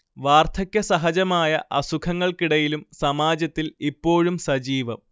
വാർധക്യസഹജമായ അസുഖങ്ങൾക്കിടയിലും സമാജത്തിൽ ഇപ്പോഴും സജീവം